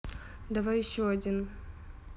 давай еще один